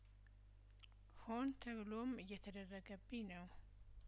ሆን ተብሎም እየተደረገ ብኝ ነው